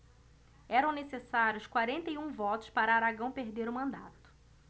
eram necessários quarenta e um votos para aragão perder o mandato